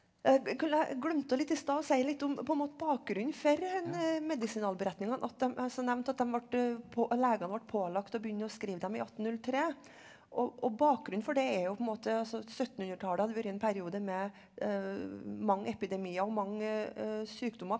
jeg glemte litt i sted å si litt om på en måte bakgrunnen for disse medisinalberetningene at dem altså nevnt at dem ble legene ble pålagt å begynne og skrive dem i 1803 og og bakgrunnen for det er jo på en måte altså syttenhundretallet hadde vært en periode med mange epidemier og mange sykdommer.